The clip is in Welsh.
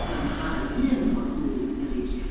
Ym mha un o'r ddwy 'Merica?